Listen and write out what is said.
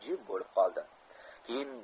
u jim bo'lib qoldi